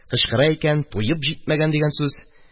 Кычкыра икән, туеп җитмәгән дигән сүз.